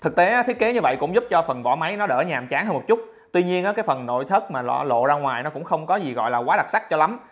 thực tế thiết kế như vậy cũng giúp cho phần vỏ máy trông đỡ nhàm chán hơn chút tuy nhiên cái phần nội thất lộ ra ngoài cũng không có gì gọi là quá đặc sắc cho lắm